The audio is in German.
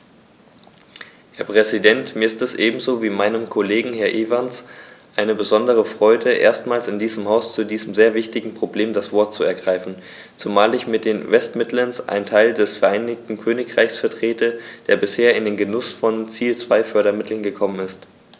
Herr Präsident, mir ist es ebenso wie meinem Kollegen Herrn Evans eine besondere Freude, erstmals in diesem Haus zu diesem sehr wichtigen Problem das Wort zu ergreifen, zumal ich mit den West Midlands einen Teil des Vereinigten Königreichs vertrete, der bisher in den Genuß von Ziel-2-Fördermitteln gekommen ist.